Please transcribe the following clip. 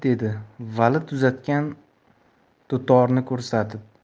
vali tuzatgan dutorni ko'rsatib